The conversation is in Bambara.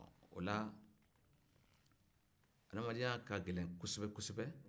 o la adamadenya ka gɛlɛn kɔsɛbɛ kɔsɛbɛ